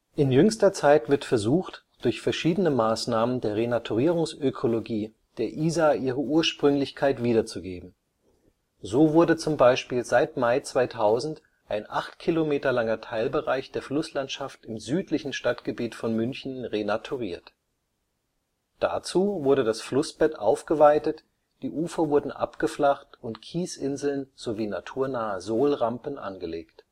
In jüngster Zeit wird versucht, durch verschiedene Maßnahmen der Renaturierungsökologie der Isar ihre Ursprünglichkeit wiederzugeben. So wurde zum Beispiel seit Mai 2000 ein acht Kilometer langer Teilbereich der Flusslandschaft im südlichen Stadtgebiet von München renaturiert. Dazu wurde das Flussbett aufgeweitet, die Ufer wurden abgeflacht und Kiesinseln sowie naturnahe Sohlrampen angelegt